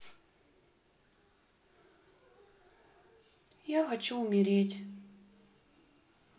я хочу умереть